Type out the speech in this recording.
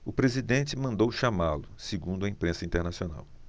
o presidente mandou chamá-lo segundo a imprensa internacional